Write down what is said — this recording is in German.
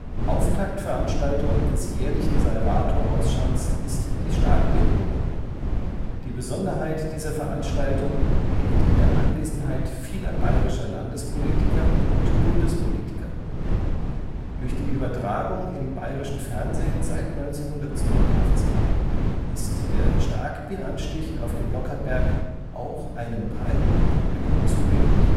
Auftaktveranstaltung des jährlichen Salvator-Ausschanks ist die Starkbierprobe. Die Besonderheit dieser Veranstaltung liegt in der Anwesenheit vieler bayerischer Landespolitiker und Bundespolitiker. Durch die Übertragung im Bayerischen Fernsehen seit 1982 ist der Starkbieranstich auf dem Nockherberg auch einem breiten Publikum zugänglich